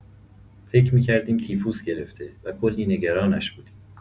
فکر می‌کردیم تیفوس گرفته و کلی نگرانش بودیم.